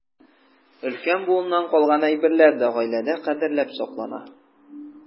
Өлкән буыннан калган әйберләр дә гаиләдә кадерләп саклана.